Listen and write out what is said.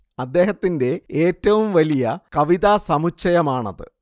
അദ്ദേഹത്തിന്റെ ഏറ്റവും വലിയ കവിതാ സമുച്ചയമാണത്